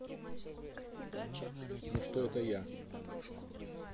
ну что это я